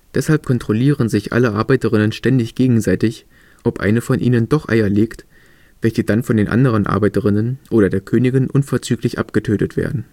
Deshalb kontrollieren sich alle Arbeiterinnen ständig gegenseitig, ob eine von ihnen doch Eier legt, welche dann von den anderen Arbeiterinnen oder der Königin unverzüglich abgetötet werden